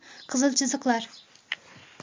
qizil chiziqlar